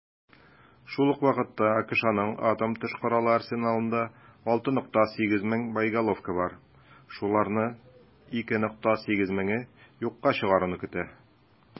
Шул ук вакытта АКШның атом төш коралы арсеналында 6,8 мең боеголовка бар, шуларны 2,8 меңе юкка чыгаруны көтә.